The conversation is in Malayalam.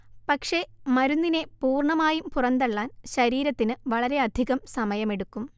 പക്ഷേ മരുന്നിനെ പൂർണ്ണമായും പുറന്തള്ളാൻ ശരീരത്തിന് വളരെയധികം സമയമെടുക്കും